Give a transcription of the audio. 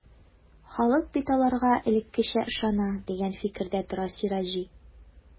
Халык бит аларга элеккечә ышана, дигән фикердә тора Сираҗи.